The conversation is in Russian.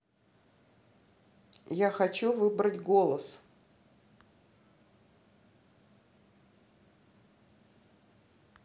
я хочу выбрать голос